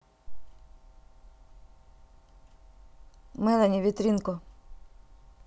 мелани витринку